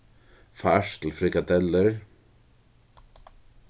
fars til frikadellur